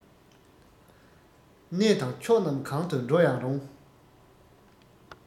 གནས དང ཕྱོགས རྣམས གང དུ འགྲོ ཡང རུང